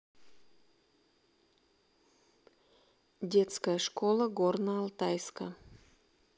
детская школа горно алтайска